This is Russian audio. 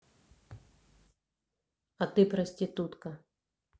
а ты проститутка